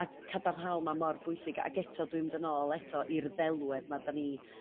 a cadarhaol ma' mor bwysig ag eto dwi'n mynd yn ôl eto i'r ddelwedd ma' 'da ni'n